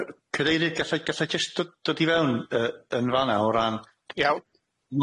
Yy credu ni gallai gallai jyst do- dod i fewn yy yn fan 'na o ran Iawn.